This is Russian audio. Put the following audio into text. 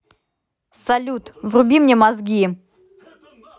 салют вруби мне мозги